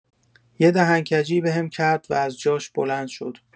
یه دهن‌کجی بهم کرد و از جاش بلند شد.